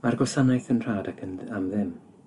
Mae'r Gwasanaeth yn rhad ac yn am ddim